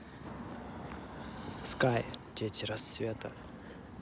скай дети рассвета